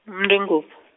-ntwengubo.